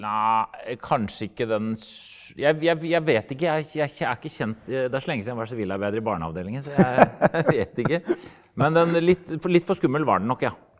nei kanskje ikke den jeg jeg jeg vet ikke jeg jeg er ikke kjent det er så lenge siden jeg var sivilarbeider i barneavdelingen så jeg jeg vet ikke men den litt litt for skummel var den nok ja.